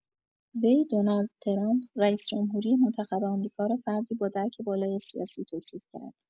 وی، دونالد ترامپ، رئیس‌جمهوری منتخب آمریکا را فردی با «درک بالای سیاسی» توصیف کرد.